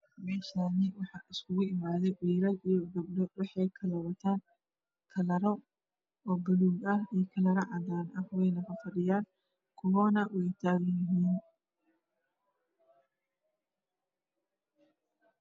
Meshani waxa iskuku imaday wll io gabdho waxey kala watan kalaro oo baluug ah io kalaro cadan ah weyna fadhan kubona weey taganyahin